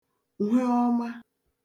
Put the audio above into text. hweọma